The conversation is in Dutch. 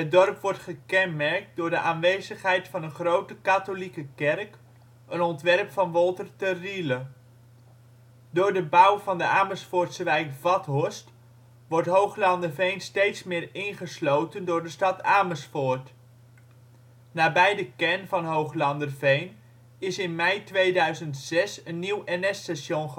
dorp wordt gekenmerkt door de aanwezigheid van een grote katholieke kerk, een ontwerp van Wolter te Riele. Door de bouw van de Amersfoortse wijk Vathorst wordt Hooglanderveen steeds meer ingesloten door de stad Amersfoort. Nabij de kern van Hooglanderveen is in mei 2006 een nieuw NS-station geopend